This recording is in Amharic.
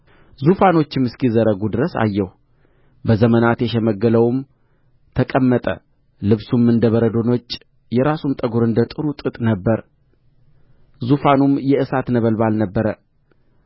ዙፋኖችም እስኪዘረጉ ድረስ አየሁ በዘመናት የሸመገለውም ተቀመጠ ልብሱም እንደ በረዶ ነጭ የራሱም ጠጕር እንደ ጥሩ ጥጥ ነበረ ዙፋኑም የእሳት ነበልባል ነበረ